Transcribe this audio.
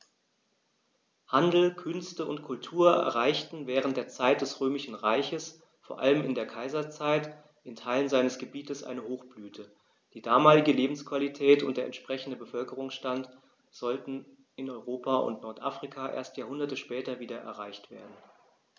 Handel, Künste und Kultur erreichten während der Zeit des Römischen Reiches, vor allem in der Kaiserzeit, in Teilen seines Gebietes eine Hochblüte, die damalige Lebensqualität und der entsprechende Bevölkerungsstand sollten in Europa und Nordafrika erst Jahrhunderte später wieder erreicht werden.